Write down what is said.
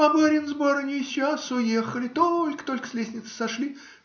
- А барин с барыней сейчас уехали; только-только с лестницы сошли.